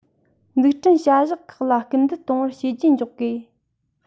འཛུགས སྐྲུན བྱ གཞག ཁག ལ སྐུལ འདེད གཏོང བར བྱས རྗེས འཇོག དགོས